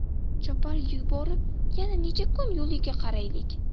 chopar yuborib yana necha kun yo'liga qaraylik